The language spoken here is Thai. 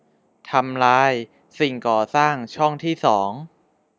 ทำลายสิ่งก่อสร้างช่องที่สอง